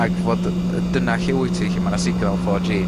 ag fod yy dyna lle wyt ti, lle ma' 'na signal four gee...